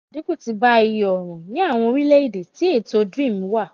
Ṣe àdínkù ti bá iye ọ̀ràn ní àwọn orílẹ̀-èdè tí ètò DREAM wà?